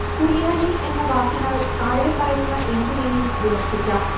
സുറിയാനി എന്ന വാക്കിനാൽ താഴെപ്പറയുന്ന എന്തിനേയും വിവക്ഷിക്കാം